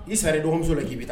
I sara i dɔgɔmuso la k'i bi ta